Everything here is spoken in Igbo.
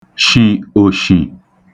shì òshì